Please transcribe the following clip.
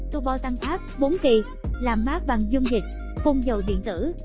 turbo tăng áp kỳ làm mát bằng dung dịch phun dầu điện tử